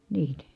niin